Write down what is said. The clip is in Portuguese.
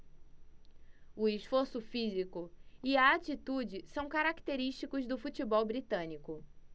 o esforço físico e a atitude são característicos do futebol britânico